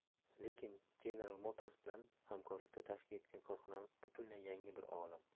lekin jeneral motors bilan hamkorlikda tashkil etgan korxonamiz bu butunlay yangi bir olam